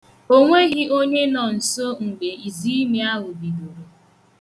O nweghị onye nọ nso mgbe iziimi ahụ bidoro.